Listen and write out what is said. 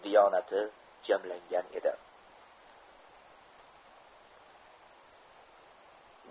diyonati jamlangan edi